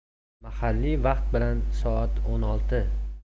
mahalliy vaqt bilan soat o'n olti